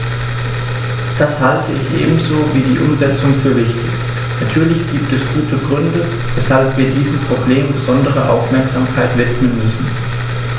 Das halte ich ebenso wie die Umsetzung für wichtig. Natürlich gibt es gute Gründe, weshalb wir diesem Problem besondere Aufmerksamkeit widmen müssen.